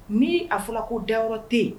Ni ' a fɔra ko dayɔrɔ tɛ yen